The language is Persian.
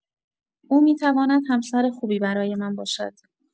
او می‌تواند همسر خوبی برای من باشد.